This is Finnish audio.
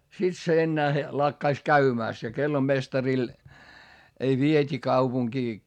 sitten se enää lakkasi käymästä ja kellomestarille ei vietiin kaupunkiin